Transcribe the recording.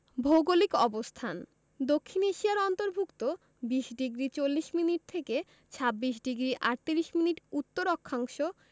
ভৌগোলিক অবস্থানঃ দক্ষিণ এশিয়ার অন্তর্ভুক্ত ২০ডিগ্রি ৩৪ মিনিট থেকে ২৬ ডিগ্রি ৩৮ মিনিট উত্তর অক্ষাংশ